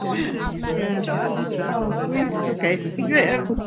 Ie, o gwych oce. Fi'n cre- yym.